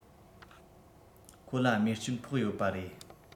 ཁོ ལ རྨས སྐྱོན ཕོག ཡོད པ རེད